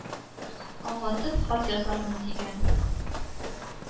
Аңлатып хат язармын , дигән